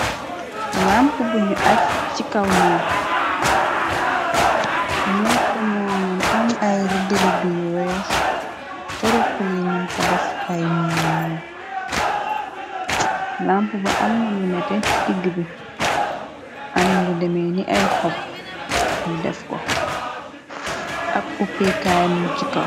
lamp bu ñu aj ci kaw nekk nekku moo nan am ay rëderë du yu weex cëruq yu num fa def ay muur lamp bu am na lu nete ci digg bi am lu deme ni ay xop ni def ko ab upkay mum ci kaw